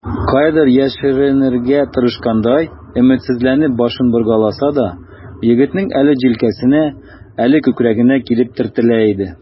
Каядыр яшеренергә тырышкандай, өметсезләнеп башын боргаласа да, егетнең әле җилкәсенә, әле күкрәгенә килеп төртелә иде.